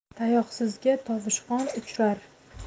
tayoqsizga tovushqon uchrar